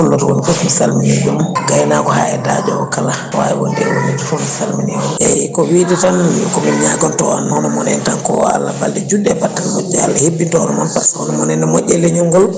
gonɗo toon foof mi salmini ɗum gaynako ha e daƴowo kala ko wawi wonde hen foof mi salmini on e ko wide tan min komi ñagonto hono moon en tan ko Allah balɗe jutɗe e banttane moƴƴe Allah hebbinta hono moon par ce que hono moon en ne moƴƴi e leñolgol